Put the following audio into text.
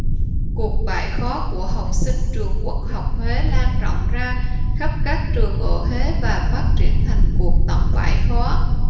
cuộc bãi khóa của học sinh trường quốc học huế lan rộng ra khắp các trường ở huế và phát triển thành cuộc tổng bãi khóa